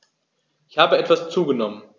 Ich habe etwas zugenommen